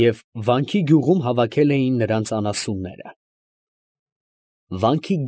Եվ «Վանքի գյուղում» հավաքել էին նրանց անասունները։ «Վանքի։